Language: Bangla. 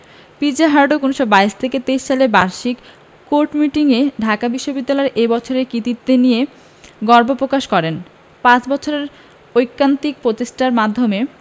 পি.জে হার্টগ ১৯২২ ২৩ সালে বার্ষিক কোর্ট মিটিং এ ঢাকা বিশ্ববিদ্যালয়ের এক বছরের কৃতিত্ব নিয়ে গর্ব প্রকাশ করেন পাঁচ বছরের ঐকান্তিক প্রচেষ্টার মাধ্যমে